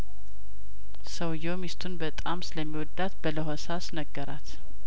ሰውዬው ሚስቱን በጣም ስለሚወዳት በለሆሳስ ነገራት